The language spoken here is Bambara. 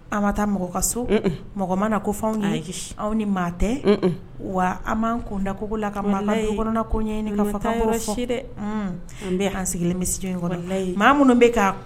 An ma taa mɔgɔ ka so, unhun, mɔgɔ mana na ko f'anw ye, ayi, anw ni maa tɛ, unh unh, wa anw ma kun da koko la ka mɔgɔ du kɔnɔna ko ɲɛɲini dɛ, k'an b'o fɔ dɛ, walayi, an sigilen bɛ studio yan maa minnu bɛ ka